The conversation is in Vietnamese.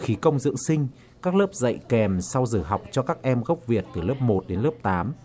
khí công dưỡng sinh các lớp dạy kèm sau giờ học cho các em gốc việt từ lớp một đến lớp tám